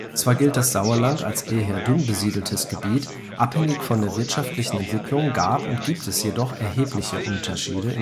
Zwar gilt das Sauerland als eher dünn besiedeltes Gebiet, abhängig von der wirtschaftlichen Entwicklung gab und gibt es jedoch erhebliche Unterschiede